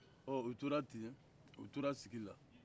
o tora ten o tora sigi la